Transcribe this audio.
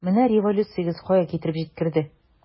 Менә революциягез кая китереп җиткерде!